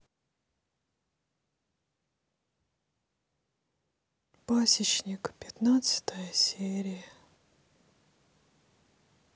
пасечник пятнадцатая серия